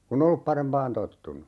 kun ei ollut parempaan tottunut